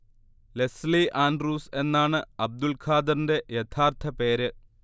Leslie Andrews എന്നാണ് അബ്ദുൾ ഖാദറിന്റെ യഥാർഥ പേര്